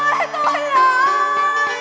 trời ơi